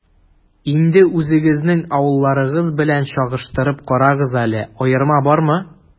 Инде үзегезнең авылларыгыз белән чагыштырып карагыз әле, аерма бармы?